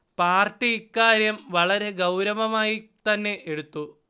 party ഇക്കാര്യം വളരെ ഗൌരവമായി തന്നെ എടുത്തു